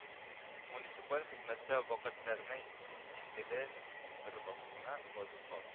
Муниципаль хезмәттә вәкаләтләрнең билгеле бер вакытына вазыйфа